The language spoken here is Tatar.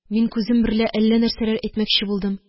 Мин күзем берлә әллә нәрсәләр әйтмәкче булдым